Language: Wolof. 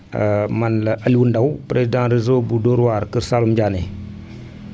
man la Aliou Ndao président réseau bu Dóor waar Kër Saalum Diané